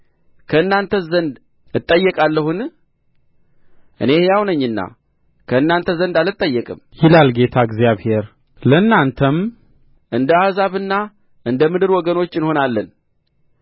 ከእናንተ ዘንድ አልጠየቅም ይላል ጌታ እግዚአብሔር ለእናንተም እንደ አሕዛብና እንደ ምድር ወገኖች እንሆናለን